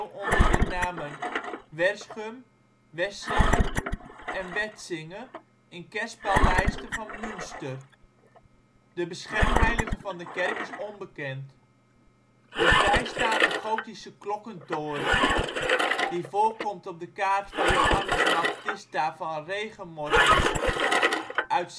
onder de namen ' Werschum ',' Wessinge ' en Wetsinge in kerspellijsten van Münster. De beschermheilige van de kerk is onbekend. De vrijstaande gotische klokkentoren, die voorkomt op de kaart van Joannes Baptista van Regemortes uit